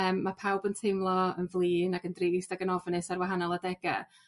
Yym ma' pawb yn teimlo yn flin ac yn drist ag yn ofnus ar wahanol adega'.